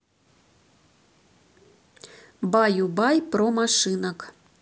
баю бай про машинок